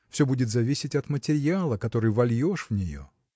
все будет зависеть от материала, который вольешь в нее.